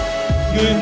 người